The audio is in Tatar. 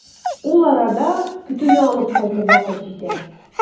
Ул арада көтүне алып кайтыр вакыт җитә.